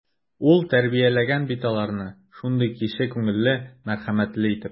Ул тәрбияләгән бит аларны шундый кече күңелле, мәрхәмәтле итеп.